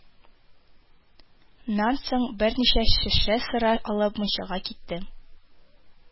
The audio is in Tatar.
Нан соң, берничә шешә сыра алып, мунчага китте